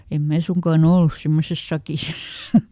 en minä suinkaan ollut semmoisessa sakissa